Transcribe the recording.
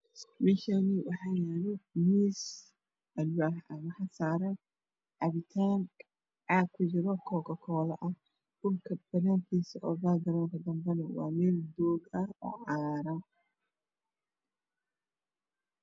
Meeshaan waxaa yaalo miis alwaax waxaa saaran cabitaan caag kujira kokokoola dhulka banaankisa ne waa meel doog ah oo caara ah